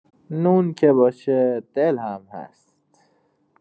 نون که باشه، دل هم هست.